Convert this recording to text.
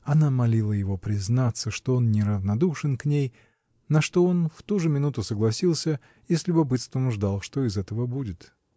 Она молила его признаться, что он неравнодушен к ней, на что он в ту же минуту согласился, и с любопытством ждал, что из этого будет.